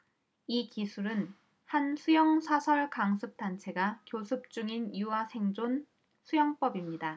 이 기술은 한 수영 사설 강습 단체가 교습 중인 유아 생존 수영법입니다